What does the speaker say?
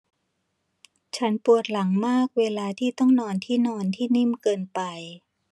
ฉันปวดหลังมากเวลาที่ต้องนอนที่นอนที่นิ่มเกินไป